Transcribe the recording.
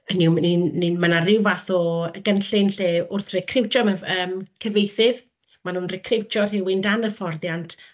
Hynny yw, ni'n ni'n... ma' 'na ryw fath o gynllun lle wrth recriwtio m- yym cyfieithydd, maen nhw'n recriwtio rhywun dan hyfforddiant